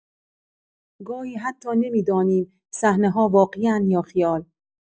گاهی حتی نمی‌دانیم صحنه‌ها واقعی‌اند یا خیال.